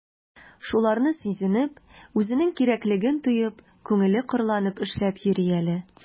Шуларны сизенеп, үзенең кирәклеген тоеп, күңеле кырланып эшләп йөри әле...